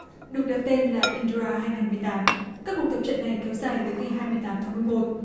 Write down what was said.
được đặt tên là in roa hai ngàn mười tám các cuộc tập trận này kéo dài tới ngày hai mươi tám tháng mười một